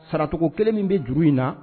Sara cogo kelen min bi juru in na?